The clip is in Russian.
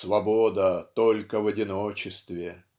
"Свобода только в одиночестве".